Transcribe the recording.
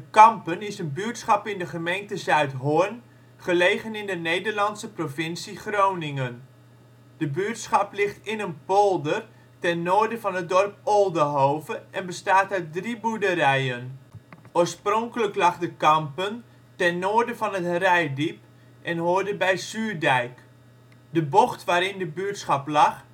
Kampen is een buurtschap in de gemeente Zuidhorn, gelegen in de Nederlandse provincie Groningen. De buurtschap ligt in een polder ten noorden van het dorp Oldehove en bestaat uit drie boerderijen. Oorspronkelijk lag De Kampen, of zoals het vroeger werd gespeld De Campen, ten noorden van het Reitdiep en hoorde bij Zuurdijk. De bocht waarin de buurtschap lag